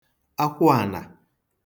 akwụànà